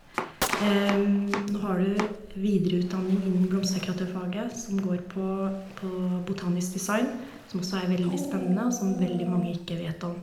Nå har du videreutdanning innen blomsterdekoratørfaget som går på på botanisk design, som også er veldig spennende, og som veldig mange ikke vet om.